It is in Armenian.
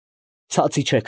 Իջե՛ք ցած։